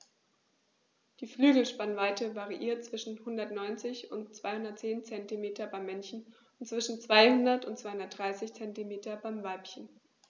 Die Flügelspannweite variiert zwischen 190 und 210 cm beim Männchen und zwischen 200 und 230 cm beim Weibchen.